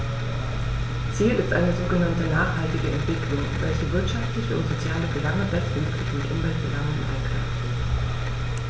Ziel ist eine sogenannte nachhaltige Entwicklung, welche wirtschaftliche und soziale Belange bestmöglich mit Umweltbelangen in Einklang bringt.